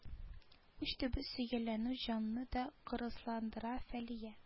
Уч төбе сөялләнү җанны да кырысландыра фалия